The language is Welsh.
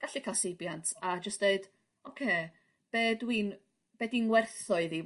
gallu ca'l seibiant a jyst deud ocê be' dw i'n be' 'di'n ngwerthoedd i?